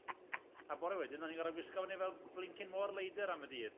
A bore wedyn o'n i gorod gwisgo fyny fel blincin môr leidr am y dydd.